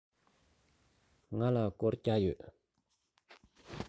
ང ལ སྒོར བརྒྱ ཡོད